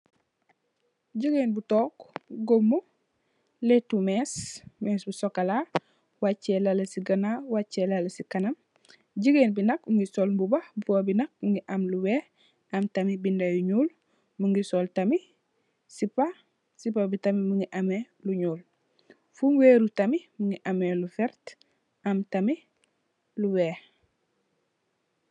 Jugain bu tonke gamu letou mess mess bu sukola wache lale se ganaw wache lale se kanam jegain be nak muge sol muba muba be nak muge am lu weex am tamin beda yu nuul muge sol tamin sepa sepa be tamin muge ameh lu nuul fum weru tamin muge am lu verte am tamin lu weex.